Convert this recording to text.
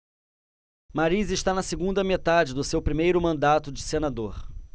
mariz está na segunda metade do seu primeiro mandato de senador